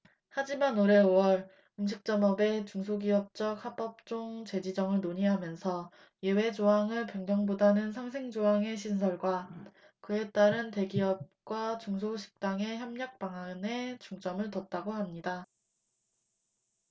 하지만 올해 오 월 음식점업의 중소기업적합업종 재지정을 논의하면서 예외조항을 변경보다는 상생 조항의 신설과 그에 따른 대기업과 중소식당의 협력 방안에 중점을 뒀다고 합니다